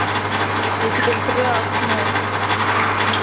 я тебя трахну